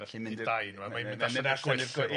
Felly mynd i'r... I'r dai